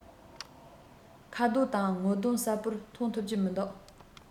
ཁ དོག དང ངོ གདོང གསལ པོར མཐོང ཐུབ ཀྱི མི འདུག